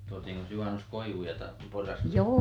tuotiinkos juhannuskoivuja - porraspäähän